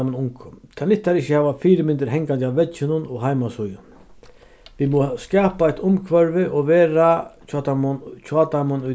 teimum ungu tað nyttar ikki at hava fyrimyndir hangandi á vegginum og heimasíðum vit muga skapa eitt umhvørvi og vera hjá teimum hjá teimum í